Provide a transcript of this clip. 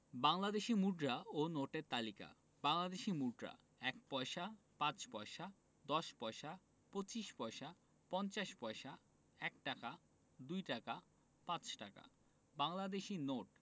বাংলাদেশি মুদ্রা ও নোটের তালিকা বাংলাদেশি মুদ্রা ১ পয়সা ৫ পয়সা ১০ পয়সা ২৫ পয়সা ৫০ পয়সা ১ টাকা ২ টাকা ৫ টাকা বাংলাদেশি নোট